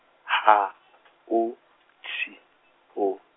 H O T O.